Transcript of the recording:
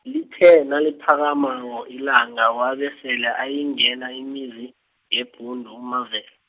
lithe naliphakamako ilanga wabe sele ayingena imizi, yeBhundu uMavel-.